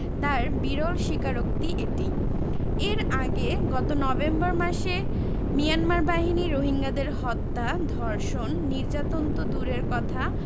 তার বিরল স্বীকারোক্তি এটি এর আগে গত নভেম্বর মাসে মিয়ানমার বাহিনী রোহিঙ্গাদের হত্যা ধর্ষণ নির্যাতন তো দূরের কথা